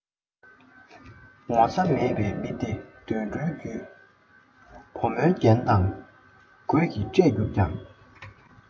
ངོ ཚ མེད པའི མི དེ དུད འགྲོའི རྒྱུད བུ མོ རྒྱན དང གོས ཀྱིས སྤུད གྱུར ཀྱང